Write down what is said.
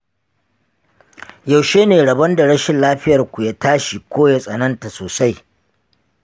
yaushe ne rabon da rashin lafiyar ku ya tashi ko ya tsananta sosai?